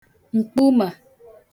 m̀kpumà